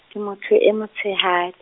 ke motho e motsheha-.